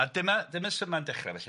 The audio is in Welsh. A dyma dyma sut mae'n dechrau felly,